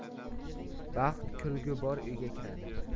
baxt kulgi bor uyga kiradi